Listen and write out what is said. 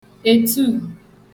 ètu